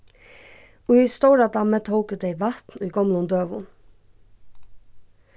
í stóradammi tóku tey vatn í gomlum døgum